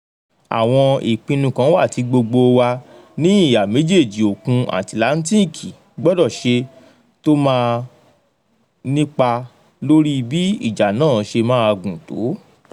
Àwọn ìpinnu kan wà tí gbogbo wa ní ìhà méjèèjì Òkun Àtìláńtíìkì gbọ́dọ̀ ṣe tó máa nípa lórí bí ìjà náà ṣe máa gùn tó.